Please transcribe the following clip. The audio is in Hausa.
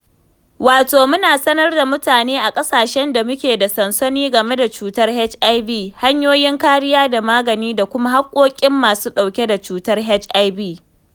Wato, muna sanar da mutane a ƙasashen da muke da sansanoni game da cutar HIV hanyoyin kariya da magani da kuma haƙƙoƙin masu ɗauke da cutar ta HIV.